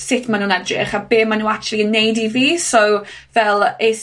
sut ma' nw'n edrych a be' ma' nw actually yn neud i fi, so, fel, es